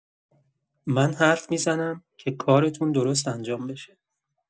من حرف می‌زنم که کارتون درست انجام بشه.